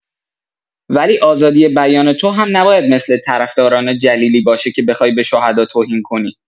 ولی آزادی بیان تو هم نباید مثل طرفداران جلیلی باشه که بخوای به شهدا توهین کنی!